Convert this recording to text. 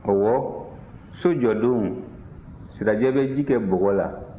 ɔwɔ so jɔdon sirajɛ bɛ ji kɛ bɔgɔ la